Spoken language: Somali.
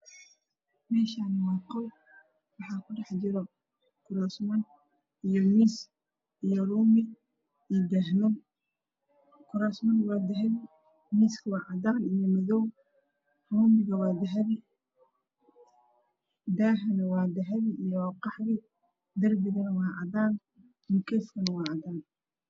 Meeshaani waa qol waxaa ku dhex jiro kuraasman iyo miis uumi iyo daahman kuraasman waa dahabi miiska waa cadaan iyo madow uumiga waa dahabi daahana waa dahabi iyo qaxwi darbigana waa cadaan mukeefkana waa cadaan